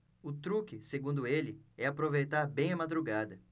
o truque segundo ele é aproveitar bem a madrugada